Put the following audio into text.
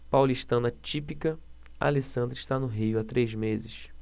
paulistana típica alessandra está no rio há três meses